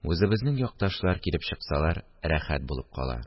Үзебезнең якташлар килеп чыксалар, рәхәт булып кала